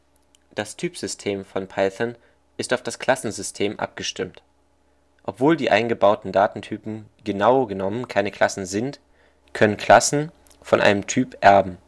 Typsystem von Python ist auf das Klassensystem abgestimmt. Obwohl die eingebauten Datentypen genau genommen keine Klassen sind, können Klassen von einem Typ erben